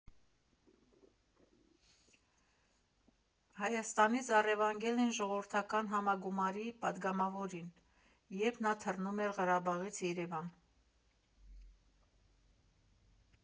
Հայաստանից առևանգել են ժողովրդական համագումարի պատգամավորին, երբ նա թռնում էր Ղարաբաղից Երևան։